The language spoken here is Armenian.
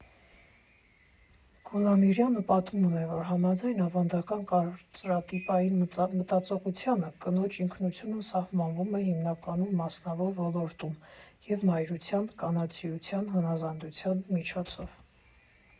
Գյուլամիրյանը պատմում է, որ համաձայն ավանդական կարծրատիպային մտածողությանը՝ կնոջ ինքնությունը սահմանվում է հիմնականում մասնավոր ոլորտում և մայրության, կանացիության, հնազանդության միջոցով։